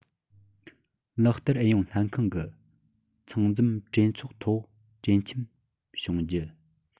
ལག བསྟར ཨུ ཡོན ལྷན ཁང གི ཚང འཛོམས གྲོས ཚོགས ཐོག གྲོས འཆམ བྱུང རྒྱུ